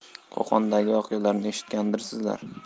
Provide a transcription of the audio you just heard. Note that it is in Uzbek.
qo'qondagi voqealarni eshitgandirsizlar